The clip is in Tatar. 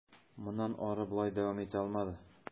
Моннан ары болай дәвам итә алмады.